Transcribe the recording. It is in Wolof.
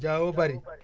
Diao Barry